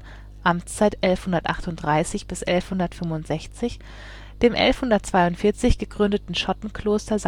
1142 gegründeten Schottenkloster